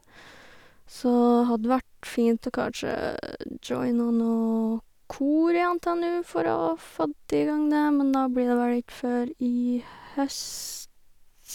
Så hadde vært fint å kanskje joina noe kor i NTNU for å fått i gang det, men da blir det vel ikke før i høst.